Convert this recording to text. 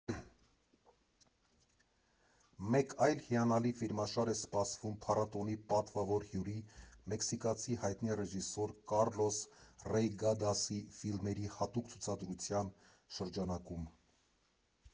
Մեկ այլ հիանալի ֆիլմաշար է սպասվում փառատոնի պատվավոր հյուրի՝ մեքսիկացի հայտնի ռեժիսոր Կառլոս Ռեյգադասի ֆիլմերի հատուկ ցուցադրության շրջանակում.